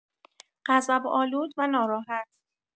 غضب‌آلود و ناراحت